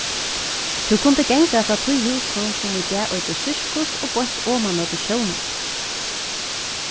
tú kundi ganga frá tí húsinum sum í dag eitur sirkus og beint oman móti sjónum